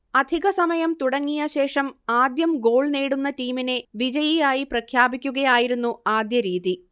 അധിക സമയം തുടങ്ങിയ ശേഷം ആദ്യം ഗോൾ നേടുന്ന ടീമിനെ വിജയിയായി പ്രഖ്യാപിക്കുകയായിരുന്നു ആദ്യ രീതി